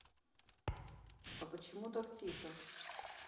а почему так тихо